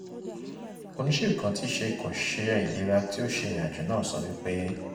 Oníṣègùn kan tí í ṣe ikọ̀ òṣìṣẹ́ ìlera tí ó ṣe ìrìnàjò náà sọ wípé: